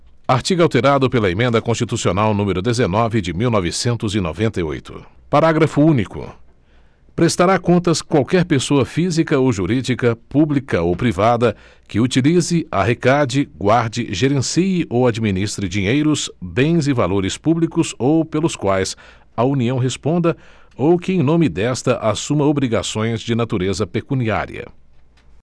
artigo alterado pela emenda constitucional número dezenove de mil novecentos e noventa e oito parágrafo único prestará contas qualquer pessoa física ou jurídica pública ou privada que utilize arrecade guarde gerencie ou administre dinheiros bens e valores públicos ou pelos quais a união responda ou que em nome desta assuma obrigações de natureza pecuniária